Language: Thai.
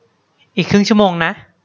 อีกครึ่งชั่วโมงนะ